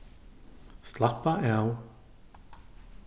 slappa av